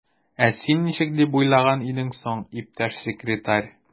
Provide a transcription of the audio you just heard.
Ә син ничек дип уйлаган идең соң, иптәш секретарь?